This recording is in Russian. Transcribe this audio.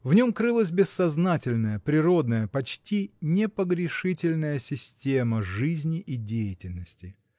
В нем крылась бессознательная, природная, почти непогрешительная система жизни и деятельности.